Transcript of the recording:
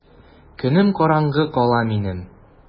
Көнем караңгы кала минем!